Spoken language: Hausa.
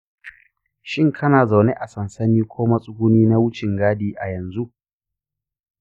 shin kana zaune a sansani ko matsuguni na wucin gadi a yanzu?